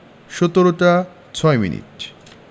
১৭ টা ৬ মিনিট